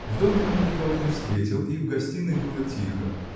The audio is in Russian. В доме он никого не встретил, и в гостиной было тихо